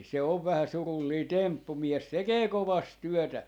se on vähän surullinen temppu mies tekee kovasti työtä